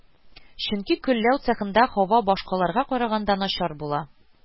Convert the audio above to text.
Чөнки көлләү цехында һава башкаларга караганда начар була